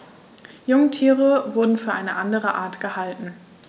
Jungtiere wurden für eine andere Art gehalten.